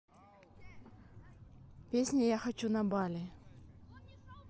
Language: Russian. песня я хочу на бали